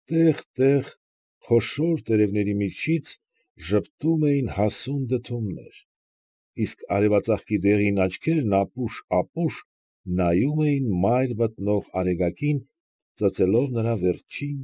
Տեղ֊տեղ, խոշոր տերևների միջից, ժպտում էին հասուն դդումներ, իսկ արևածաղկի դեղին աչքերն ապուշ֊ապուշ նայում էին մայր մտնող արեգակին, ծծելով նրա վերջին։